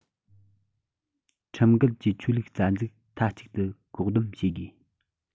ཁྲིམས འགལ གྱི ཆོས ལུགས རྩ འཛུགས མཐའ གཅིག ཏུ བཀག སྡོམ བྱེད དགོས